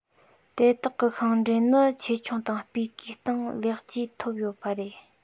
དེ དག གི ཤིང འབྲས ནི ཆེ ཆུང དང སྤུས ཀའི སྟེང ལེགས བཅོས ཐོབ ཡོད པ རེད